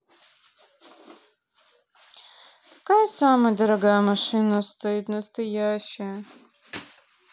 какая самая дорогая машина стоит настоящая